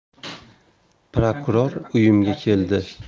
prokuror uyimga keldi